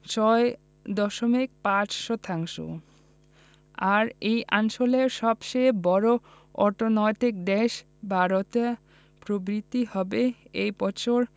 ৬.৫ শতাংশ আর এ অঞ্চলের সবচেয়ে বড় অর্থনৈতিক দেশ ভারতের প্রবৃদ্ধি হবে এ বছর